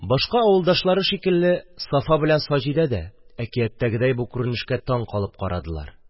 Башка авылдашлары шикелле, Сафа белән Саҗидә дә әкияттәгедәй бу күренешкә таң калып карадылар